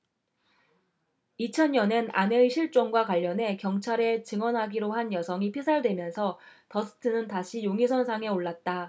이천 년엔 아내의 실종과 관련해 경찰에 증언하기로 한 여성이 피살되면서 더스트는 다시 용의선상에 올랐다